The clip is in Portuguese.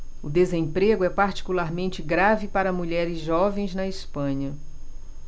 o desemprego é particularmente grave para mulheres jovens na espanha